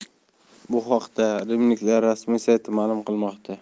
bu haqda rimliklar rasmiy sayti ma'lum qilmoqda